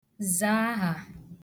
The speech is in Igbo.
-za ahà